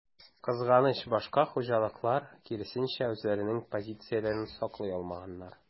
Кызганыч, башка хуҗалыклар, киресенчә, үзләренең позицияләрен саклый алмаганнар.